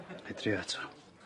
'Nai drio eto.